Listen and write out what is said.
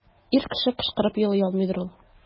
Ир кеше кычкырып елый алмыйдыр ул.